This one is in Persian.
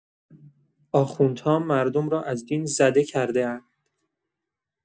آخوندها مردم را از دین زده کرده‌اند.